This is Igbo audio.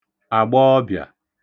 àgbọọbị̀à